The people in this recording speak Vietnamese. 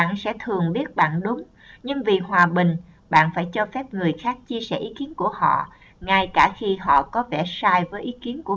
bạn sẽ thường biết bạn đúng nhưng vì hòa bình bạn phải cho phép người khác chia sẻ ý kiến của họ ngay cả khi họ có vẻ sai với ý kiến của bạn